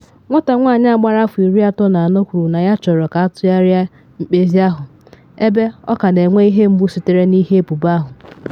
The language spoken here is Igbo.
Nwata nwanyị a gbara afọ 34 kwuru na ya-chọrọ ka atụgharịa mkpezi ahụ ebe ọ ka na-enwe ihe mgbu sitere n’ihe ebubo ahụ.